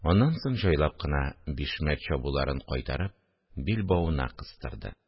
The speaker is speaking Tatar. Аннан соң җайлап кына бишмәт чабуларын кайтарып, билбавына кыстырды